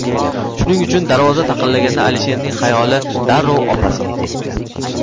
shuning uchun darvoza taqillaganda alisherning xayoli darrov opasiga ketdi